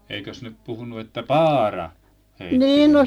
eikös ne puhunut että Paara heitti